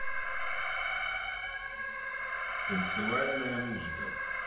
танцевальная музыка